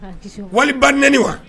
Wali baɛneni wa